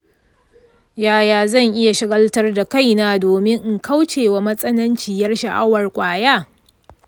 yaya zan iya shagaltar da kaina domin in kauce wa matsananciyar sha'awar ƙwaya?